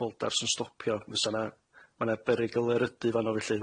boldars yn stopio fysa' na ma' na berygl erydu'n fanno felly